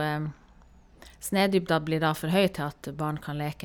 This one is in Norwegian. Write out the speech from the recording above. Snødybden blir da for høy til at barn kan leke.